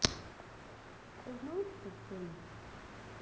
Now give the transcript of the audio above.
а знаешь как болит